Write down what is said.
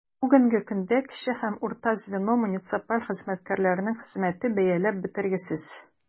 Бүгенге көндә кече һәм урта звено муниципаль хезмәткәрләренең хезмәте бәяләп бетергесез.